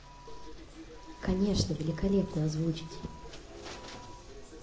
конечно великолепно озвучить